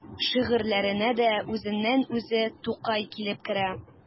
Шигырьләренә дә үзеннән-үзе Тукай килеп керә.